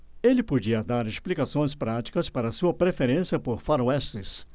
ele podia dar explicações práticas para sua preferência por faroestes